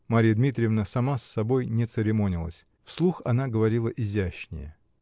Марья Дмитриевна сама с собой не церемонилась; вслух она говорила изящнее.